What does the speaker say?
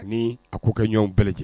Ani a k'u kɛ ɲɔgɔn bɛɛ lajɛlen